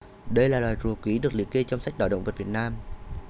đây là loài rùa quý được liệt kê trong sách đỏ động vật việt nam